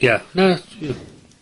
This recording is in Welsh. Ia. Na, Duw.